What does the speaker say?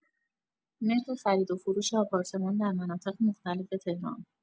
نرخ خرید و فروش آپارتمان در مناطق مختلف تهران